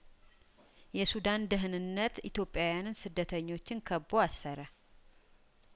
የሱዳን ደህንነት ኢትዮጵያውያንን ስደተኞችን ከቦ አሰረ